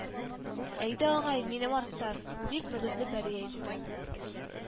Әйдә, агай, минем арттан! — дип, мөгезле пәри әйтте